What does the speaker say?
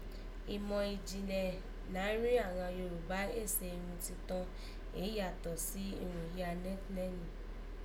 Ìmọ̀ ìjìnlẹ̀ náàrin àghan Yorùbá éè se irun titọn, éè yàtọ̀ sí irun yìí a nẹ́ nèní